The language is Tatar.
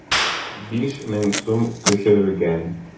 5000 сум күчерелгән.